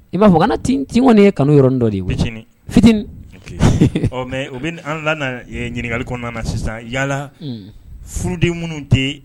I b'a fɔ kana ti tiɔnin ye kanu yɔrɔ dɔ de ye yecinin fitinin ɔ mɛ u bɛ an la ɲininkakali kɔnɔna na sisan yalala furuden minnu tɛ